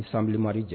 I sanbilimadi jɛ